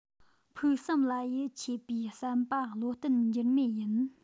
ཕུགས བསམ ལ ཡིད ཆེས པའི བསམ པ བློ བརྟན འགྱུར མེད ཡིན